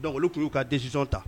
Dɔnkili tun y'u ka dɛsɛsisɔn ta